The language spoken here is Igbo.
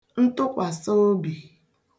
ntụkwàsaobī